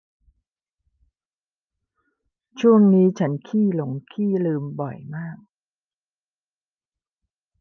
ช่วงนี้ฉันขี้หลงขี้ลืมบ่อยมาก